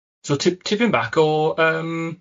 So tip- tipyn bach o yym